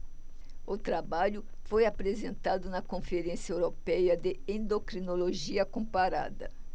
o trabalho foi apresentado na conferência européia de endocrinologia comparada